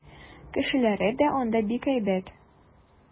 Кешеләре дә анда бик әйбәт.